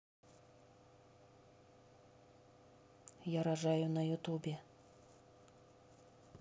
я рожаю на ютубе